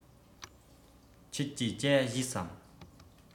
ཁྱེད ཀྱིས ཇ བཞེས སམ